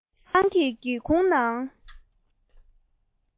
མཛོད ཁང གི སྒེའུ ཁུང ནས